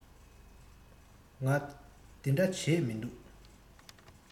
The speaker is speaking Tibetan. ང འདི འདྲ བྱེད མི འདུག